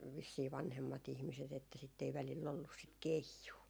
vissiin vanhemmat ihmiset että sitten ei välillä ollut sitä keijua